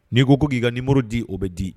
N'i ko ko k'i ka numéro di o bɛ di